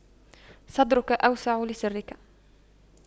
صدرك أوسع لسرك